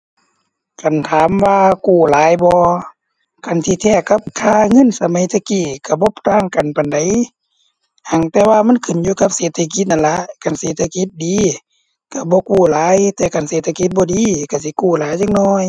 คันถามว่ากู้หลายบ่ คันสิเทียบกับค่าเงินสมัยแต่กี้ก็บ่ต่างกันปานใด หั้งแต่ว่ามันขึ้นอยู่กับเศรษฐกิจนั่นล่ะ คันเศรษฐกิจดีก็บ่กู้หลาย แต่คันเศรษฐกิจบ่ดีก็สิกู้หลายจักหน่อย